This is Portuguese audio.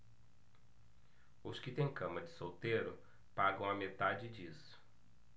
os que têm cama de solteiro pagam a metade disso